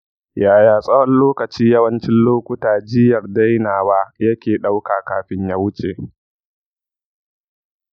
yaya tsawon lokaci yawancin lokuta jiyyar dainawa yake ɗauka kafin ya wuce?